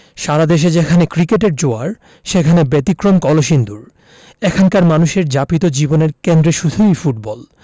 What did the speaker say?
সারা দেশে যেখানে ক্রিকেটের জোয়ার সেখানে ব্যতিক্রম কলসিন্দুর এখানকার মানুষের যাপিত জীবনের কেন্দ্রে শুধুই ফুটবল